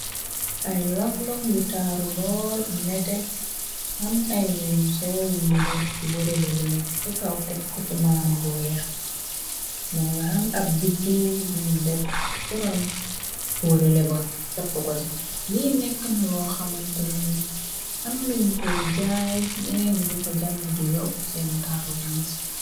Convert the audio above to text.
ay longloŋ yu taaru lool nete ham ay weñu sew yuñu def ci wërale bu nekk ci kaw tek ko ci malaan gu weex moo nga ham ab biddiw buñu def ciroon wërale ba càpp ko se lii nekk na loo xamante ney am la ñu koy jaay ñene ñu di ko jànd di yokg seenu taaru yànsi